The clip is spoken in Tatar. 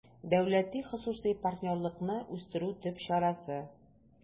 «дәүләти-хосусый партнерлыкны үстерү» төп чарасы